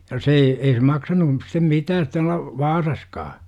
ja se ei ei se maksanut sitten mitään tuolla Vaasassakaan